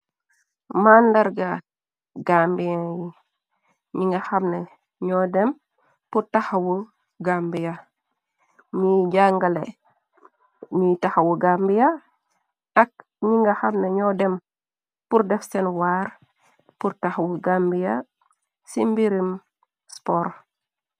Mànndarga gambien yi ñi nga xamna ñoo dem purtaxawu gambia miy jàngale ñiy taxawu gambia ak ñi nga xamna ñoo dem pur def sen waar purtaxwu gambia ci mbirum spor.